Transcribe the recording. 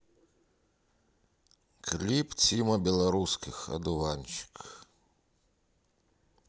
клип тима белорусских одуванчик